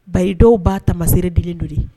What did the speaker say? Bayi dɔw ba tamasire dilen don de